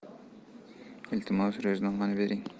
iltimos ro'znomani bering